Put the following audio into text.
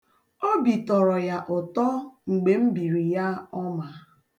Obi tọrọ ya ụtọ mgbe m biri ya ọma.